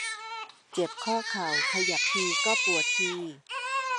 เจ็บข้อเข่าขยับทีก็ปวดที